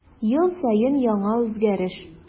Ел саен яңа үзгәреш.